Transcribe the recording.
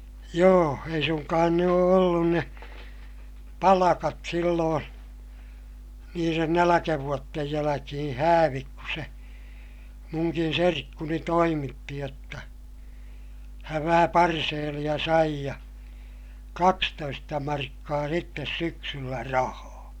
joo ei suinkaan ne ole ollut ne palkat silloin niiden nälkävuosien jälkeen häävit kun se minunkin serkkuni toimitti jotta hän vähän parseelia sai ja kaksitoista markkaa sitten syksyllä rahaa